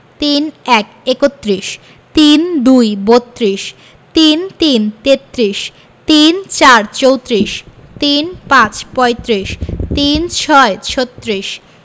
৩১ - একত্রিশ ৩২ - বত্ৰিশ ৩৩ - তেত্রিশ ৩৪ - চৌত্রিশ ৩৫ - পঁয়ত্রিশ ৩৬ - ছত্রিশ